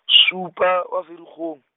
supa, wa Ferikgong.